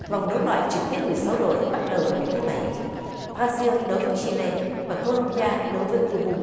vòng đấu loại trực tiếp mười sáu đội bắt đầu vào ngày thứ bảy bờ ra din đấu với chi lê và cô lô bi a đấu với u ru